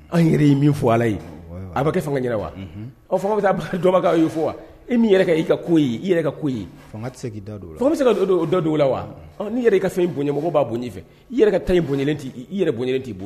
An yɛrɛ ye min fɔ ala ye a b'a kɛ fanga yɛrɛ wa aw fa bɛ taa dɔba y ye' fɔ wa min yɛrɛ ka i ka ko ye i yɛrɛ ka ko ye tɛ'i da bɛ se ka don o dɔ don la wa nii yɛrɛ i ka fɛn bonyaɲɛmɔgɔ b'a bon i fɛ i yɛrɛ ka tan in bon tɛ i yɛrɛbon tɛ bɔ